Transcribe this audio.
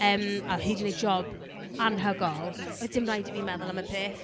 yym, a oedd hi 'di wneud job anhygoel. Oedd dim rhaid i fi meddwl am y peth.